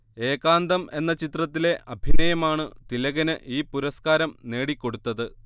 ഏകാന്തം എന്ന ചിത്രത്തിലെ അഭിനയമാണു തിലകന് ഈ പുരസ്കാരം നേടിക്കൊടുത്തത്